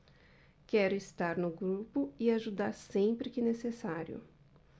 quero estar no grupo e ajudar sempre que necessário